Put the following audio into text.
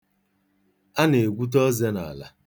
A na-egwute oze n'ala.